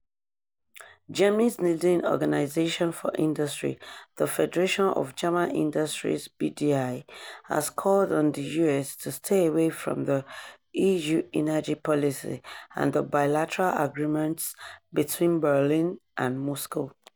Germany's leading organization for industry, the Federation of German Industries (BDI), has called on the US to stay away from the EU energy policy and the bilateral agreements between Berlin and Moscow.